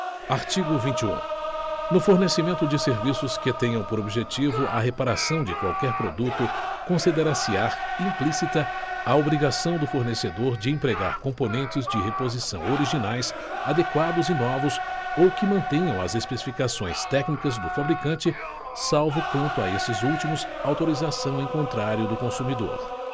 artigo vinte um no fornecimento de serviços que tenham por objetivo a reparação de qualquer produto considerar se á implícita a obrigação do fornecedor de empregar componentes de reposição originais adequados e novos ou que mantenham as especificações técnicas do fabricante salvo quanto a estes últimos autorização em contrário do consumidor